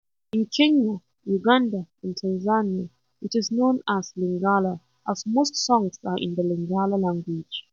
In Kenya, Uganda, and Tanzania it is known as Lingala as most songs are in the Lingala language.